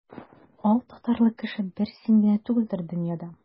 Алтатарлы кеше бер син генә түгелдер дөньяда.